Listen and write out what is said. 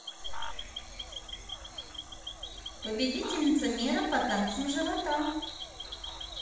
победительница мира по танцам живота